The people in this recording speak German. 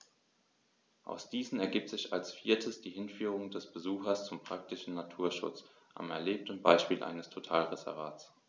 Aus diesen ergibt sich als viertes die Hinführung des Besuchers zum praktischen Naturschutz am erlebten Beispiel eines Totalreservats.